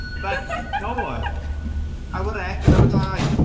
But no our Ek and our Di.